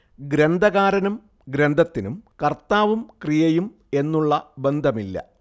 ഗ്രന്ഥകാരനും ഗ്രന്ഥത്തിനും കർത്താവും ക്രിയയും എന്നുള്ള ബന്ധമില്ല